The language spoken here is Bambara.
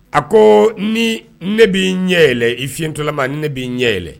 A koo nii ne b'i ɲɛ yɛlɛn i fiyɛntɔlama ne b'i ɲɛ yɛlɛn.